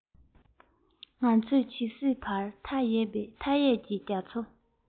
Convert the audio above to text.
ང ཚོས ཇི སྲིད བར མཐའ ཡས ཀྱི རྒྱ མཚོ